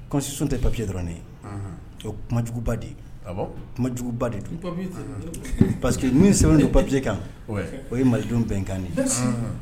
Constitution tɛ papier dɔrɔn ye dɛ unhun donc o ye kumajuguba de ye ah bon kumajuguba de don unhun ni papier tɛ parce que min sɛbɛnnen don papier kan oui o ye malidenw bɛnkan ne ye merci unhun